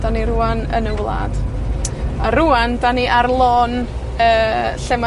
'Dan ni rŵan yn y wlad, a rŵan 'dan ni ar lôn, yy, lle ma'